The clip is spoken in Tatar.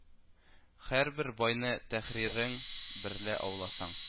Һәрбер байны тәхрирең берлә ауласаң